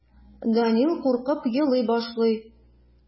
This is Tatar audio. Данил куркып елый башлый.